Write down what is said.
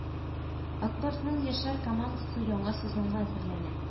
“ак барс”ның яшьләр командасы яңа сезонга әзерләнә